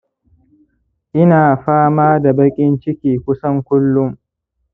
ina fama da baƙin ciki kusan kullum